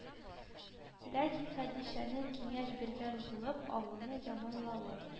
Ләкин Хәдичәнең киңәш биргән булып авылны яманлавы